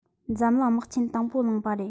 འཛམ གླིང དམག ཆེན དང པོ ལངས པ ཡིན